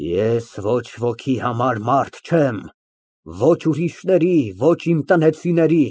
Ես ոչ ոքի համար մարդ չեմ, ոչ ուրիշների, ոչ իմ տնեցիների։